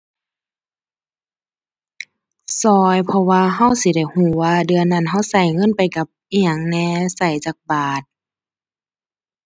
ช่วย เพราะว่าช่วยสิได้ช่วยว่าเดือนนั้นช่วยช่วยเงินไปกับอิหยังแหน่ ช่วยจักบาท